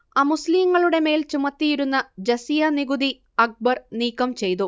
അമുസ്ലീങ്ങളുടെ മേൽ ചുമത്തിയിരുന്ന ജസിയ നികുതി അക്ബർ നീക്കംചെയ്തു